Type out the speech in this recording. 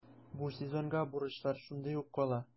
Бу сезонга бурычлар шундый ук кала.